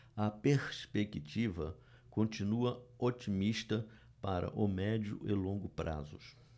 a perspectiva continua otimista para o médio e longo prazos